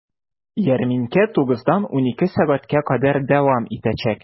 Ярминкә 9 дан 12 сәгатькә кадәр дәвам итәчәк.